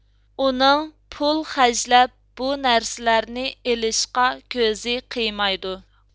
ئۇنىڭ پۇل خەجلەپ بۇ نەرسىلەرنى ئېلىشقا كۆزى قىيمايدۇ